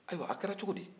ayiwa a kɛra cogo di